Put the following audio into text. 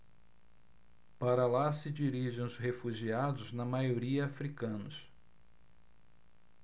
para lá se dirigem os refugiados na maioria hútus